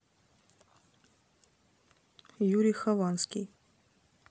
юрий хованский